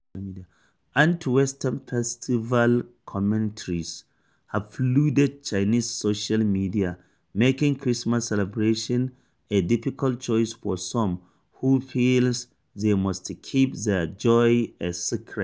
Anti-Western festival commentaries have flooded Chinese social media, making Christmas celebrations a difficult choice for some who feel they must keep their joy a secret.